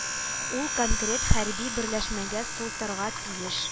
Ул конкрет хәрби берләшмәгә сылтарга тиеш